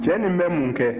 cɛ nin bɛ mun kɛ